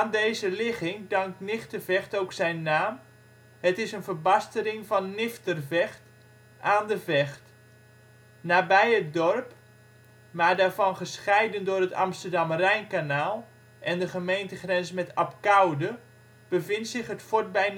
deze ligging dankt Nigtevecht ook zijn naam, het is een verbastering van ' Niftervecht '," aan de Vecht ". Nabij het dorp, maar daarvan gescheiden door het Amsterdam-Rijnkanaal (en de gemeentegrens met Abcoude), bevindt zich het Fort bij